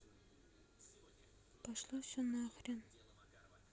пошло все нахрен